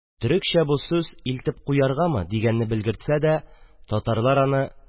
Төрекчә бу сүз «Илтеп куяргамы?» дигәнне белгертсә дә, татарлар аны